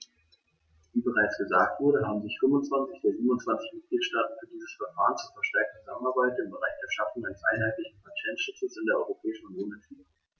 Wie bereits gesagt wurde, haben sich 25 der 27 Mitgliedstaaten für dieses Verfahren zur verstärkten Zusammenarbeit im Bereich der Schaffung eines einheitlichen Patentschutzes in der Europäischen Union entschieden.